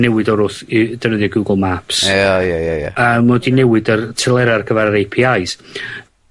newid o'r wrth yy defnyddio Google Map... E- o ie ie ie. ...yym ma' o 'di newid yr telera ar gyfar yr Ay Pee Eyes.